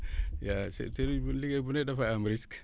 waa sëriñ bi liggéey bu ne dafay am risque